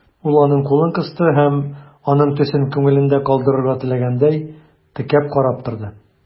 Ул аның кулын кысты һәм, аның төсен күңелендә калдырырга теләгәндәй, текәп карап торды.